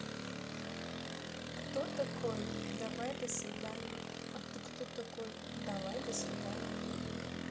кто такой давай до свидания а ты кто такой давай до свидания